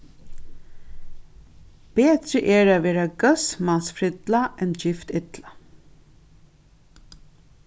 betri er at vera góðs mans frilla enn gift illa